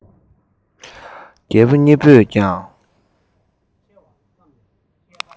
རྒད པོ གཉིས པོས ཀྱང